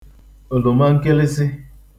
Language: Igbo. òlòmankịlịsị